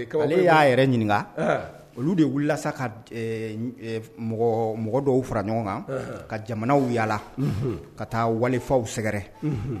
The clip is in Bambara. Y ɲininka olu de wulila sa ka mɔgɔ dɔw fara ɲɔgɔn kan ka jamanaw yalala ka taa walifaw sɛgɛrɛ